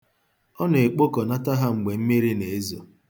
Ọ na-ekpokonata ha mgbe mmiri na-ezo.